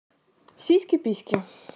сиськи письки